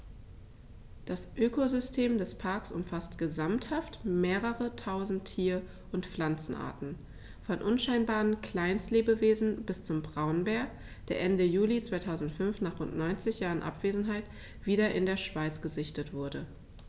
Das Ökosystem des Parks umfasst gesamthaft mehrere tausend Tier- und Pflanzenarten, von unscheinbaren Kleinstlebewesen bis zum Braunbär, der Ende Juli 2005, nach rund 90 Jahren Abwesenheit, wieder in der Schweiz gesichtet wurde.